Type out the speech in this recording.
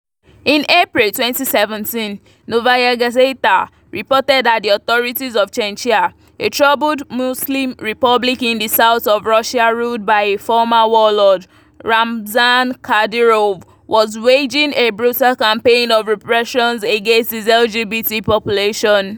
In April 2017, Novaya Gazeta reported that the authorities of Chechnya, a troubled Muslim republic in the south of Russia ruled by a former warlord Ramzan Kadyrov, was waging a brutal campaign of repressions against its LGBT population.